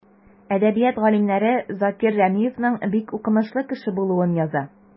Әдәбият галимнәре Закир Рәмиевнең бик укымышлы кеше булуын яза.